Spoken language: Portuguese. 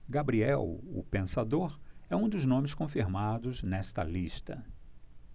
gabriel o pensador é um dos nomes confirmados nesta lista